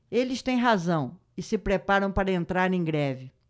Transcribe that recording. eles têm razão e se preparam para entrar em greve